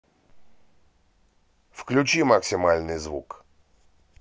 включи максимальный звук